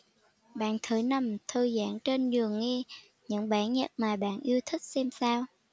bạn thử nằm thư giãn trên giường nghe những bản nhạc mà bạn yêu thích xem sao